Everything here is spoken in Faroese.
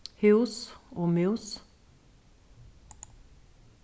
hús og mús